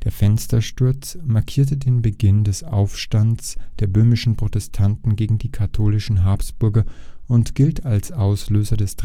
Fenstersturz markierte den Beginn des Aufstands der böhmischen Protestanten gegen die katholischen Habsburger und gilt als Auslöser des